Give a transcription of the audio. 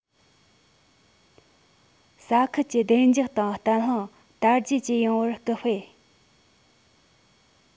ས ཁུལ གྱི བདེ འཇགས དང བརྟན ལྷིང དར རྒྱས བཅས ཡོང བར སྐུལ སྤེལ